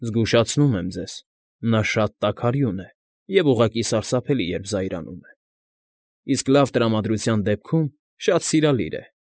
Զգուշացնում եմ ձեզ՝ նա շատ տաքարյուն է և ուղղակի սարսափելի, երբ զայրանում է, իսկ լավ տրամարդության դեպքում շատ սիրալիր է։